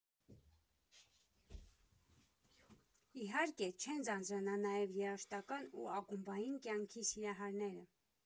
Իհարկե, չեն ձանձրանա նաև երաժշտական ու ակումբային կյանքի սիրահարները։